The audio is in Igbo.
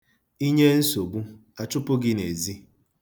I nyee nsogbu, a chụpụ gị n'ezi.